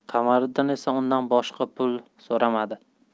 qamariddin esa undan boshqa pul so'ramadi